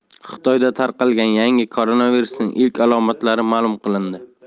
xitoyda tarqalgan yangi koronavirusning ilk alomatlari ma'lum qilindi